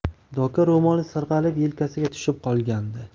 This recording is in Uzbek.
doka ro'moli sirg'alib yelkasiga tushib qolgandi